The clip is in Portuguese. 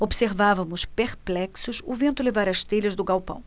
observávamos perplexos o vento levar as telhas do galpão